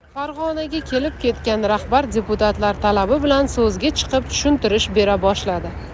farg'onaga kelib ketgan rahbar deputatlar talabi bilan so'zga chiqib tushuntirish bera boshladi